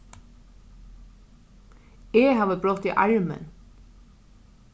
eg havi brotið armin